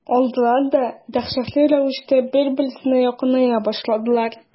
Алдылар да дәһшәтле рәвештә бер-берсенә якыная башладылар.